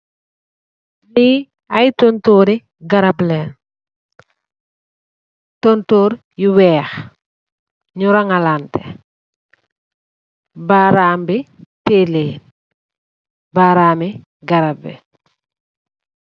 Li ay tontorri garap lèèn, tontor yu wèèx ñu ranga lanteh, baram bi teyeh lèèn , barami garab bi.